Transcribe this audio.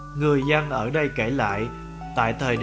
người dân nơi đây kể lại ở thời điểm